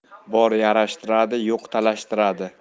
bor yarashtiradi yo'q talashtiradi